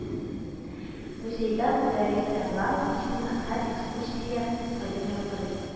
Музейда Мөдәррис Әгъләмов исеме һәр экскурсия саен яңгырый